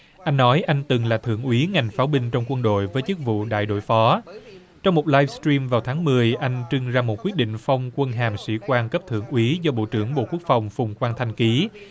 anh nói anh từng là thượng úy ngành pháo binh trong quân đội với chức vụ đại đội phó trong một lai truym vào tháng mười anh trưng ra một quyết định phong quân hàm sĩ quan cấp thượng úy do bộ trưởng bộ quốc phòng phùng quang thanh ký